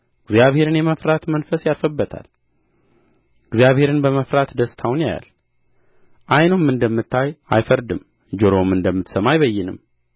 እግዚአብሔርን በመፍራት ደስታውን ያያል ዓይኑም እንደምታይ አይፈርድም ጆሮውም እንደምትሰማ አይበይንም